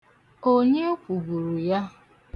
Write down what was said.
Onye kwuburu ya?